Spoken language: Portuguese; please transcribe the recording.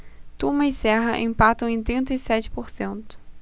tuma e serra empatam em trinta e sete por cento